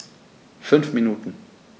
5 Minuten